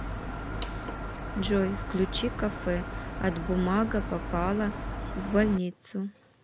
джой включи кафе от бумага попала в больницу